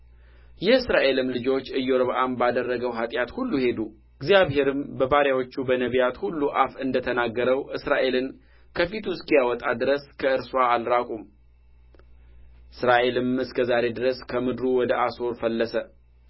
የእስራኤልም ልጆች ኢዮርብዓም ባደረገው ኃጢአት ሁሉ ሄዱ እግዚአብሔርም በባሪያዎቹ በነቢያቱ ሁሉ አፍ እንደ ተናገረው እስራኤልን ከፊቱ እስኪያወጣ ድረስ ከእርስዋ አልራቁም እስራኤልም እስከ ዛሬ ድረስ ከምድሩ ወደ አሦር ፈለሰ